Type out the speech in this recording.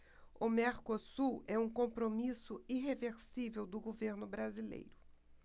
o mercosul é um compromisso irreversível do governo brasileiro